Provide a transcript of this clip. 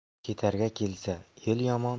ketarga kelsa el yomon